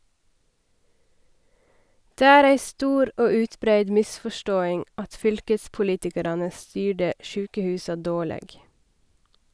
Det er ei stor og utbreidd misforståing at fylkespolitikarane styrde sjukehusa dårleg.